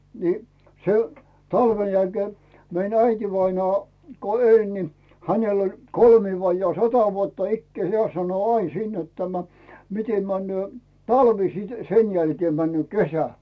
niin se talven jälkeen meni äitivainaa kun eli niin hänellä oli kolmea vajaa sata vuotta ikää hän sanoi aina siinä että tämä miten menee talvi sitten sen jälkeen menee kesä